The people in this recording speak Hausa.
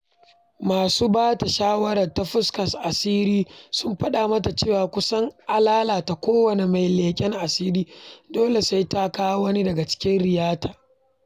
Masu ba ta shawara ta fuskar asiri sun faɗa mata cewa kusan an lalata kowane mai leƙen asiri, dole sai ta kawo wani daga cikin ritaya.